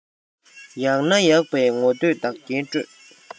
ཡག ན ཡག པས ངོ བསྟོད བདག རྐྱེན སྤྲོད